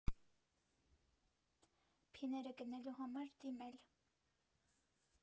Փիները գնելու համար դիմել՝